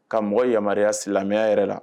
Ka mɔgɔ yamaruya silamɛya yɛrɛ la.